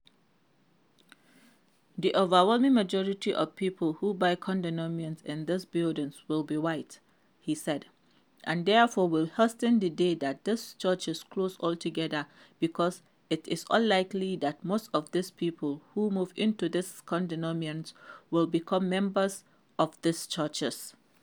"The overwhelming majority of people who buy condominiums in these buildings will be white," he said, "and therefore will hasten the day that these churches close altogether because it is unlikely that most of these people who move into these condominiums will become members of these churches."